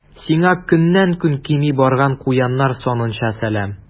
Сиңа көннән-көн кими барган куяннар санынча сәлам.